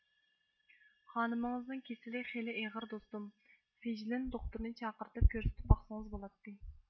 خانىمىڭىزنىڭ كېسىلى خېلى ئېغىر دوستۇم فېژلىن دوختۇرنى چاقىرتىپ كۆرسىتىپ باقسىڭىز بولاتتى